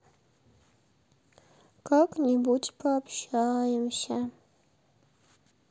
как нибудь пообщаемся